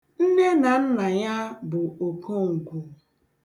Nne na nna ya bụ okongwu.